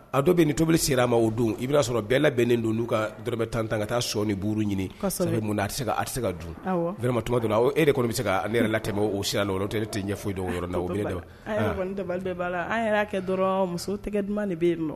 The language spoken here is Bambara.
A dɔ bɛ yen ni tobili sera a ma o don i bɛn'a sɔrɔ bɛɛ labɛlen don n'u ka dɔrɔmɛ 10,10 tan tan ka taa sɔ ni buuru ɲini, kossɛbɛ , munna a tɛ se ka dun, vraiment e yɛrɛ de kɔni bɛ se ka ne la tɛmɛ o sira la, ne tɛ ɲɛ fɔ si dɔn o yɔrɔ la_ne yɛrɛ koni dabali bɛ bana, an yɛrɛ y'a kɛ dɔrɔnw muso tɛgɛ duman de bɛ yen nɔ.